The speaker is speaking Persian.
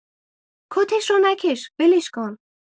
کتش رو نکش ولش کن!